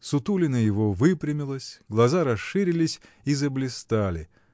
сутулина его выпрямилась, глаза расширились и заблистали